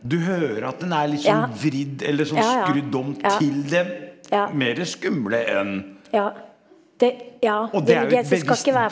du hører at den er litt sånn vridd eller sånn skrudd om til det mere skumle enn, og det er jo et veldig.